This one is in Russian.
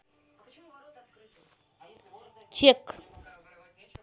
чек